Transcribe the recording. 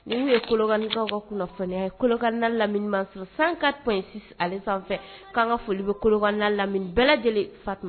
Min ye kolokaninbagaw ka kunnafoni kolokan lamini masa san ka tun sanfɛ k'an ka foli bɛ kolokan lamini bɛɛ lajɛlen fatuma